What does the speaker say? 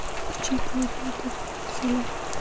kuchi yetmagan to'g'anoq solar